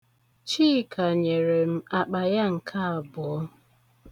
Chika nyere m akpa ya nke abụọ.